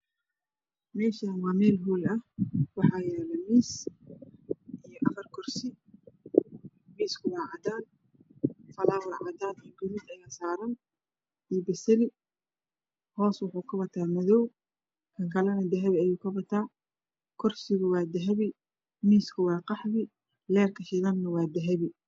Meshaan waa meel hool ah waxa ayalo afar kursi iyo miis kursigu waa cadana falawar cadan iyo gaduud ayaa yaasaran iyo pazali hoos waxuu kawataa dahapi kan kalne madow ayuu ka wataa kursigu waa dahapi miisku wa qaxwi leerka shidana waa dahapi